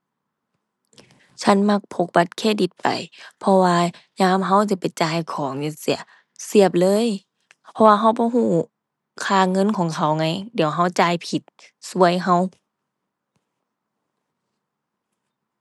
ฉันมักพกบัตรเครดิตไป เพราะว่ายามเราสิไปจ่ายของจั่งซี้ เสียบเลย เพราะว่าเราบ่เราค่าเงินของเขาไง เดี๋ยวเราจ่ายผิด ซวยเรา